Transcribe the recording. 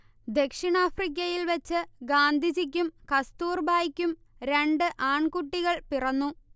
ദക്ഷിണാഫ്രിക്കയിൽ വച്ച് ഗാന്ധിജിക്കും കസ്തൂർബായ്ക്കും രണ്ട് ആൺകുട്ടികൾ പിറന്നു